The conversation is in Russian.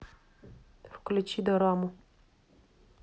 включи дораму